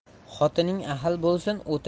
xotining ahil bo'lsin